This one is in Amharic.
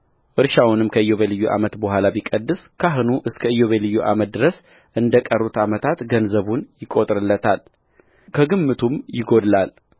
እርሻውንም ከኢዮቤልዩ ዓመት በኋላ ቢቀድስ ካህኑ እስከ ኢዮቤልዩ ዓመት ድረስ እንደ ቀሩት ዓመታት ገንዘቡን ይቈጥርለታል ከግምቱም ይጐድላል